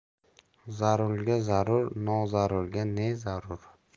zarulga zarur nozarulga ne zarur